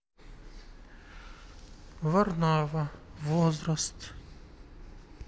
варнава возраст